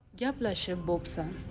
gaplashib bo'psan